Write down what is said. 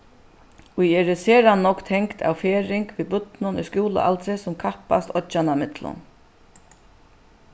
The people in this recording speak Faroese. ið eru sera nógv tengd av ferðing við børnum í skúlaaldri sum kappast oyggjanna millum